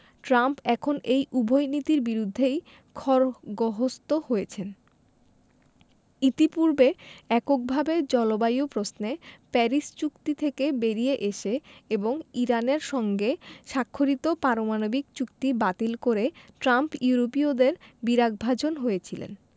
Trump এখন এই উভয় নীতির বিরুদ্ধেই খড়গহস্ত হয়েছেন ইতিপূর্বে এককভাবে জলবায়ু প্রশ্নে প্যারিস চুক্তি থেকে বেরিয়ে এসে এবং ইরানের সঙ্গে স্বাক্ষরিত পারমাণবিক চুক্তি বাতিল করে ট্রাম্প ইউরোপীয়দের বিরাগভাজন হয়েছিলেন